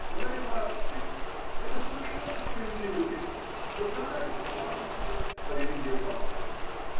Говоря вообще, это – совершенно справедливый принцип: национальность сама по себе, а религия сама по себе.